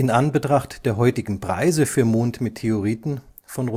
Anbetracht der heutigen Preise für Mondmeteoriten von